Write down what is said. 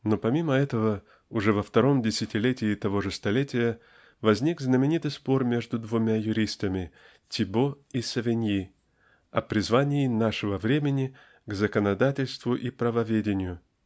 Но помимо этого уже во втором десятилетии того же столетия возник знаменитый спор между двумя юристами -- Тибо и Савиньи -- "О призвании нашего времени к законодательству и правоведению".